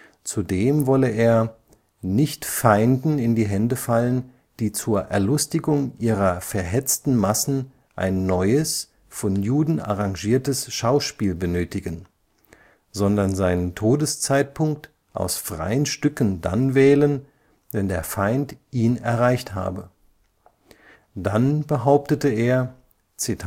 Zudem wolle er „ nicht Feinden in die Hände fallen, die zur Erlustigung ihrer verhetzten Massen ein neues, von Juden arrangiertes Schauspiel benötigen “, sondern seinen Todeszeitpunkt „ aus freien Stücken “dann wählen, wenn der Feind ihn erreicht habe. Dann behauptete er: „ Ich